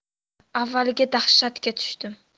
avvaliga dahshatga tushdim